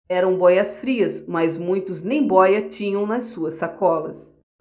eram bóias-frias mas muitos nem bóia tinham nas suas sacolas